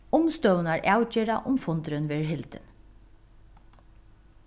umstøðurnar avgera um fundurin verður hildin